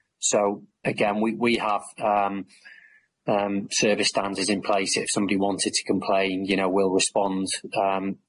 so again we we have erm erm service standards in place if somebody wanted to complain, you know, we'll respond erm,